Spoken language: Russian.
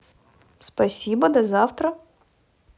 спасибо до завтра